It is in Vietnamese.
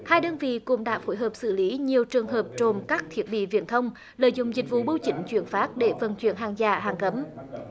hai đơn vị cũng đã phối hợp xử lý nhiều trường hợp trộm các thiết bị viễn thông lợi dụng dịch vụ bưu chính chuyển phát để vận chuyển hàng giả hàng cấm